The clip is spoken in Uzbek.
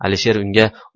alisher unga